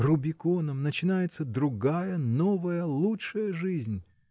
“Рубиконом” начинается другая, новая, лучшая жизнь!